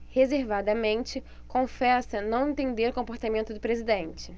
reservadamente confessa não entender o comportamento do presidente